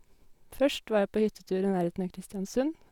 Først var jeg på hyttetur i nærheten av Kristiansund.